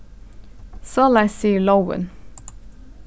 soleiðis sigur lógin